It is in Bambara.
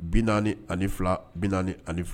Bi naani ani fila bi naani ani fila